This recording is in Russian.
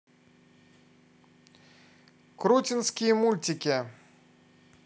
крутенские мультики